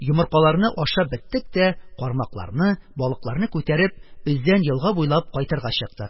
Йомыркаларны ашап беттек тә, кармакларны, балыкларны күтәреп, Өзән елга буйлап кайтырга чыктык.